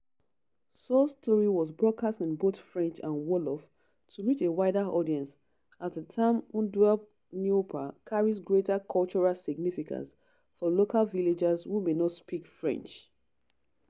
Sow's story was broadcast in both French and Wolof to reach a wider audience, as the term ndeup neupal carries greater cultural significance for local villagers who may not speak French.